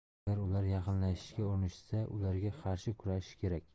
agar ular yaqinlashishga urinishsa ularga qarshi kurashish kerak